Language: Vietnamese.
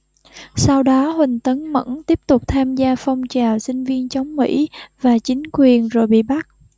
sau đó huỳnh tấn mẫm tiếp tục tham gia phong trào sinh viên chống mỹ và chính quyền rồi bị bắt